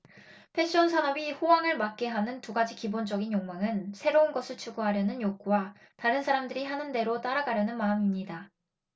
패션 산업이 호황을 맞게 하는 두 가지 기본적인 욕망은 새로운 것을 추구하려는 욕구와 다른 사람들이 하는 대로 따라가려는 마음입니다